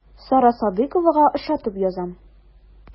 Сара Садыйковага ошатып язам.